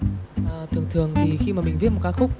ờ thường thường thì khi mà mình viết một ca khúc